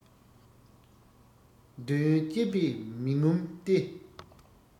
འདོད ཡོན སྤྱད པས མི ངོམས ཏེ